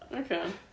ocê